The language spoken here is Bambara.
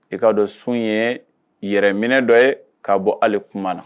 I k'a dɔn sun ye yɛrɛ minɛ dɔ ye kaa bɔ ale kuma na